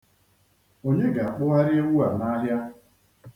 Onye ga-akpụgharị ewu a n'ahịa.